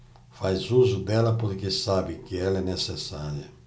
faz uso dela porque sabe que ela é necessária